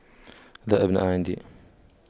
لا أبناء عندي